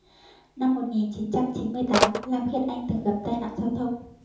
năm một nghìn chín trăm chín mươi tám lam khiết anh từng gặp tai nạn giao thông